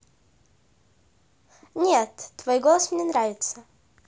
нет твой голос мне нравится